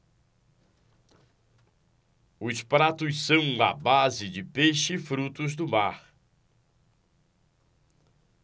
os pratos são à base de peixe e frutos do mar